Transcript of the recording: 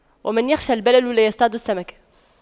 من يخشى البلل لا يصطاد السمك